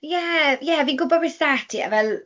Ie ie fi'n gwybod be sy 'da ti a fel...